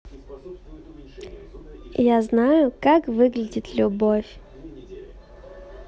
я знаю как выглядит любовь